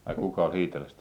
ai kuka oli Hiitelästä